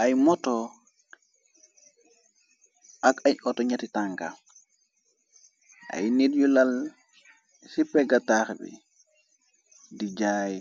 Ay moto ak ay auto nyetti tanka ay nit yu lal ci pégataar bi di jaay